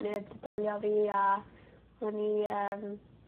neb d'i bwlio fi a o'n i yym